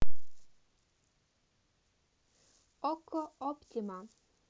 okko оптима